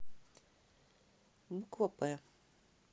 буква п